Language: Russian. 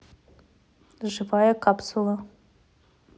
живая капсула